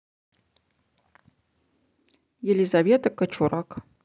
елизавета качурак